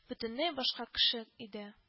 Бөтенләй башка кеше иде